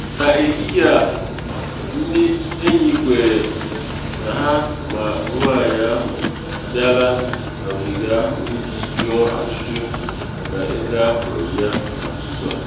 N’ehihie a ndị enyi kwere na ha ma nwanyị ahụ abịala n’ogige ahụ iji jụọ ajụjụ maka ebe ahụrụ ya n’ụtụtụ a.